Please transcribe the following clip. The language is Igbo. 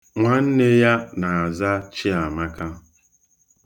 Nwanne ya na-aza Chiamaka.